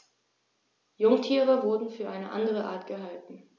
Jungtiere wurden für eine andere Art gehalten.